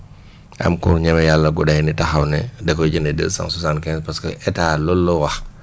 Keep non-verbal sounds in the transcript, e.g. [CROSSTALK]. [BREATH] am ku ñeme yàlla gu day ni taxaw ne da koy jëndee deux cent soixante quinze parce que état loolu la wax